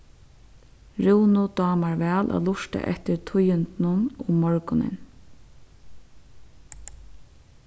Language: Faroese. rúnu dámar væl at lurta eftir tíðindunum um morgunin